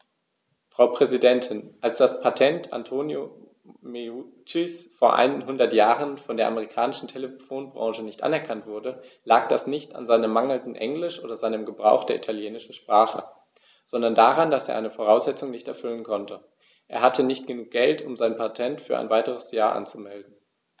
Frau Präsidentin, als das Patent Antonio Meuccis vor einhundert Jahren von der amerikanischen Telefonbranche nicht anerkannt wurde, lag das nicht an seinem mangelnden Englisch oder seinem Gebrauch der italienischen Sprache, sondern daran, dass er eine Voraussetzung nicht erfüllen konnte: Er hatte nicht genug Geld, um sein Patent für ein weiteres Jahr anzumelden.